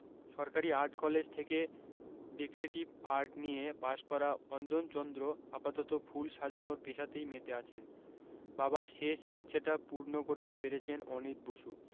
সরকারী art college থেকে decorative art নিয়ে পাশ করা অঞ্জন চন্দ্র আপাতত ফুল সাজানোর পেশাতেই মেতে আছেন বাবার শেষ ইচ্ছেটা পূর্ণ করতে পেরেছেন অনীত বসু